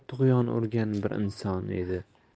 tug'yon urgan bir inson edi